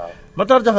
waaw